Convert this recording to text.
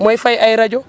mooy fay ay rajo